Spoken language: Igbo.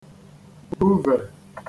buvè